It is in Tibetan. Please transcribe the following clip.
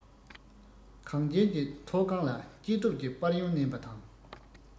གངས ཅན གྱི མཐོ སྒང ལ སྐྱེ སྟོབས ཀྱི དཔལ ཡོན བསྣན པ དང